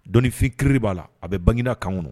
Dɔnifin kiri b'a la a bɛ bangegina kan